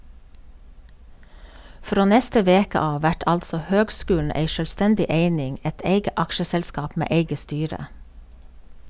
Frå neste veke av vert altså høgskulen ei sjølvstendig eining, eit eige aksjeselskap med eige styre.